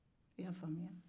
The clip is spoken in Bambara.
e y'a faamu